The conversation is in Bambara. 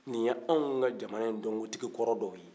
nin ye anw ka jamana in dɔnkotigi kɔrɔ dɔw ye